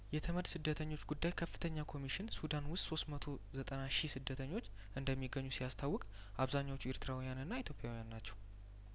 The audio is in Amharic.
የተመድ ስደተኞች ጉዳዩ ከፍተኛ ኮሚሽን ሱዳን ውስጥ ሶስት መቶ ዘጠና ሺህ ስደተኞች እንደሚገኙ ሲያስታውቅ አብዛኛዎቹ ኤርትራውያንና ኢትዮጵያውያን ናቸው